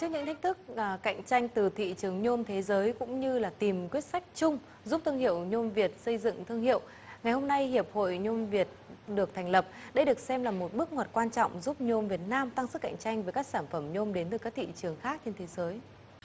trước những thách thức và cạnh tranh từ thị trường nhôm thế giới cũng như là tìm quyết sách chung giúp thương hiệu nhôm việt xây dựng thương hiệu ngày hôm nay hiệp hội nhôm việt được thành lập đây được xem là một bước ngoặt quan trọng giúp nhôm việt nam tăng sức cạnh tranh với các sản phẩm nhôm đến từ các thị trường khác trên thế giới